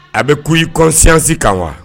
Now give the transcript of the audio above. A bɛ k' ii kɔsisi kan wa